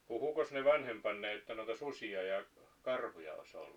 puhuikos ne vanhempanne että noita susia ja karhuja olisi ollut